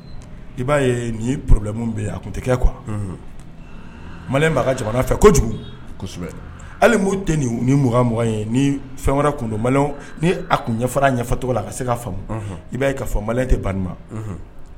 I ba ye ni problème be yen a kun ti kɛ quoi Unhun Malien ba ka jamana fɛ kojugu. Hali fɛn mun tɛ 20 , 20 ye ni fɛn wɛrɛ kun don ni a kun ɲɛfɔla a ɲɛfɔ cogo la a ka se ka famu i ba ye ka fɔ Malien tɛ ban ni ma. Unhun